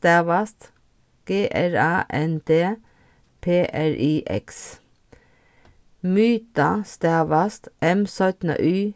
stavast g r a n d p r i x myta stavast m y